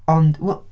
Ond, wel...